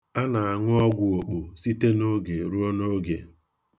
A na-aṅụ ọgwụ okpo site n'oge ruo n'oge.